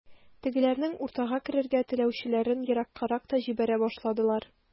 Тегеләрнең уртага керергә теләүчеләрен ераккарак та җибәрә башладылар.